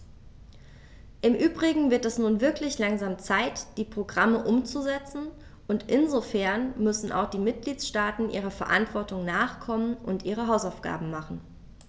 Im übrigen wird es nun wirklich langsam Zeit, die Programme umzusetzen, und insofern müssen auch die Mitgliedstaaten ihrer Verantwortung nachkommen und ihre Hausaufgaben machen.